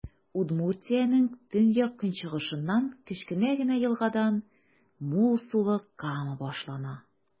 Удмуртиянең төньяк-көнчыгышыннан, кечкенә генә елгадан, мул сулы Кама башлана.